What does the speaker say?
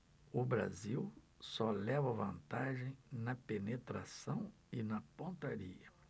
o brasil só leva vantagem na penetração e na pontaria